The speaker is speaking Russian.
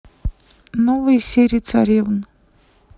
новые серии царевн